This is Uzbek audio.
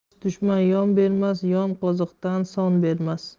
ash dushman yon bermas yon qoziqdan son bermas